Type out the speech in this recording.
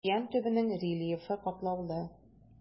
Океан төбенең рельефы катлаулы.